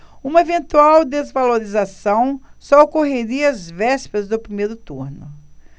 uma eventual desvalorização só ocorreria às vésperas do primeiro turno